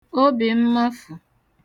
obìmmafụ